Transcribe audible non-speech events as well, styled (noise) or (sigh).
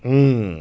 (hesitation) (hesitation)